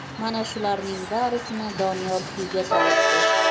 mana shularning barisini doniyor kuyga solibdi